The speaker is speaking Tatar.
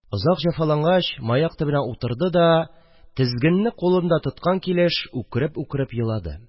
Озак җафалангач, маяк төбенә утырды да, тезгенне кулында тоткан килеш үкереп-үкереп елады